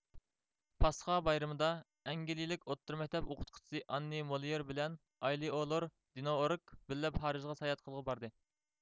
پاسخا بايرىمىدا ئەنگلىيىلىك ئوتتۇرا مەكتەپ ئوقۇتقۇچىسى ئاننى مولېيېر بىلەن ئايلېئولور دېنوئورگ بىللە پارىژغا ساياھەت قىلغىلى باردى